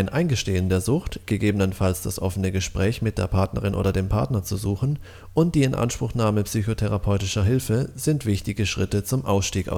Eingestehen der Sucht, gegebenenfalls das offene Gespräch mit der Partnerin oder dem Partner zu suchen und die Inanspruchnahme psychotherapeutischer Hilfe sind wichtige Schritte zum Ausstieg